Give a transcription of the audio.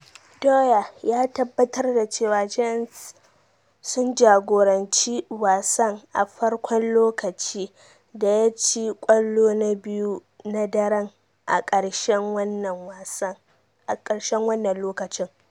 Dwyer ya tabbatar da cewa Giants sun jagoranci wasan a farkon lokaci da ya ci kwallo na biyu na daren a karshen wannan lokacin.